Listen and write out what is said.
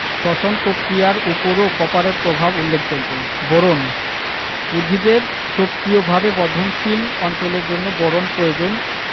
শ্বসন পক্রিয়ার উপরও কপারের প্রভাব উল্লেখযোগ্য বোরন উদ্ভিদের সক্রিয়ভাবে বর্ধনশীল অঞ্চলের জন্য বোরন প্রয়োজন